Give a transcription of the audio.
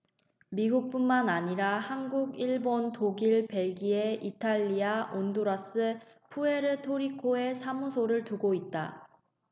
미국뿐만 아니라 한국 일본 독일 벨기에 이탈리아 온두라스 푸에르토리코에 사무소를 두고 있다